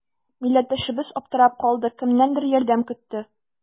Милләттәшебез аптырап калды, кемнәндер ярдәм көтте.